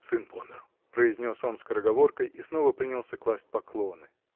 "Сын помер", -- произнес он скороговоркой и снова принялся класть поклоны.